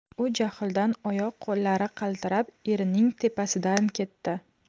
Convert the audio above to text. u jahldan oyoq qo'llari qaltirab erining tepasidan ketdi